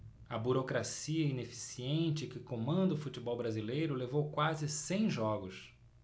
a burocracia ineficiente que comanda o futebol brasileiro levou quase cem jogos